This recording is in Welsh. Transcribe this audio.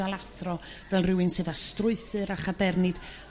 fel athro fel rhywun sydd â strwythur a chadernid